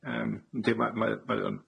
Yym yndi ma' ma' mae o'n.